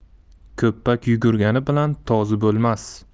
ko'ppak yugurgani bilan tozi bo'lmas